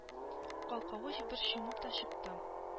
Калкавыч бер чумып та чыкты